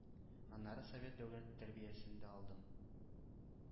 Аннары совет дәүләте тәрбиясен дә алдым.